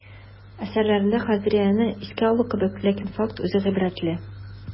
Әсәрләрендә Хазарияне искә алу кебек, ләкин факт үзе гыйбрәтле.